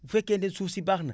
bu fekkente ne suus si baax na